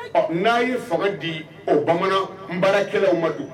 A ko n'a ye fanga di o bamanan baarakɛlaw ma dun!